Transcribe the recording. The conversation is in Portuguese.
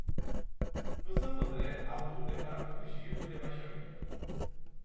no santo andré a luta é para fugir do rebaixamento